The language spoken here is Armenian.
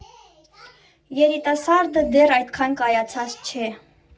Երիտասարդը դեռ այդքան կայացած չէ.